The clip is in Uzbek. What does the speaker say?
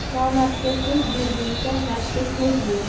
nomardga so'z berguncha mardga ko'z ber